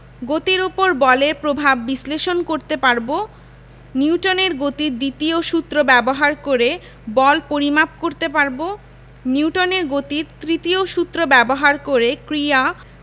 গতির উপর বলের প্রভাব বিশ্লেষণ করতে পারব নিউটনের গতির দ্বিতীয় সূত্র ব্যবহার করে বল পরিমাপ করতে পারব নিউটনের গতির তৃতীয় সূত্র ব্যবহার করে ক্রিয়া